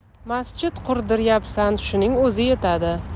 masjid qurdiryapsan shuning o'zi yetadi